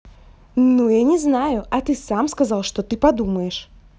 ну я не знаю а ты сам сказал что ты подумаешь